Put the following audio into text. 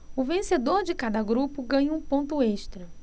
o vencedor de cada grupo ganha um ponto extra